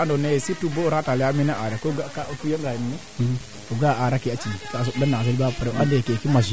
kaa yaqaa o qol plastique moom faaxe il faut wiin we mbind teen solution